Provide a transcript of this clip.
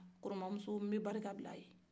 koromamuso n bɛ barika bil'a ye